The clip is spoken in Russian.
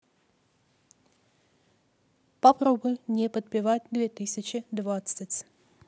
попробуй не подпевать две тысячи двадцать